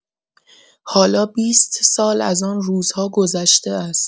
حالا بیست سال از آن روزها گذشته است.